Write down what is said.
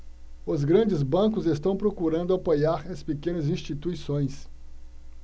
os grandes bancos estão procurando apoiar as pequenas instituições